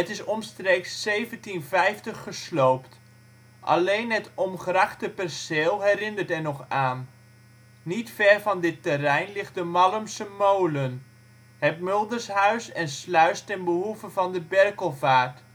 is omstreeks 1750 gesloopt. Alleen het omgrachte perceel herinnert er nog aan. Niet ver van dit terrein ligt de Mallemse Molen, met muldershuis en sluis ten behoeve van de Berkelvaart